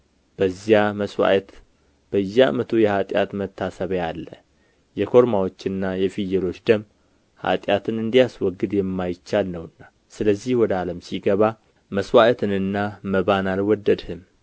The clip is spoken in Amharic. በዚያ መሥዋዕት በየዓመቱ የኃጢአት መታሰቢያ አለ የኮርማዎችና የፍየሎች ደም ኃጢአትን እንዲያስወግድ የማይቻል ነውና ስለዚህ ወደ ዓለም ሲገባ መሥዋዕትንና መባን አልወደድህም